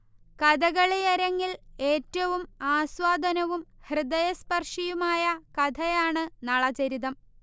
കഥകളിയരങ്ങിൽ ഏറ്റവും ആസ്വാദനവും ഹൃദയസ്പർശിയുമായ കഥയാണ് നളചരിതം